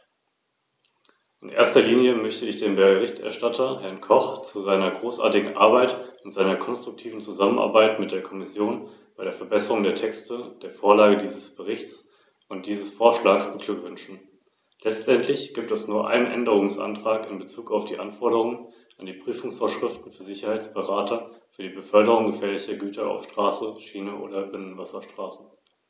Frau Präsidentin, seit über 20 Jahren sprechen wir nun über die Schaffung eines einheitlichen Patentschutzes auf europäischer Ebene.